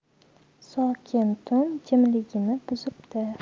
sokin tun jimligini buzibdi